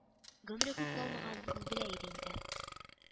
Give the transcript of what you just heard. — гомере күп калмаганын ул белә иде инде